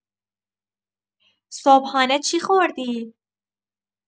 صبحانه چی خوردی؟